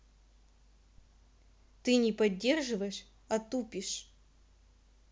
ты не поддерживаешь о тупишь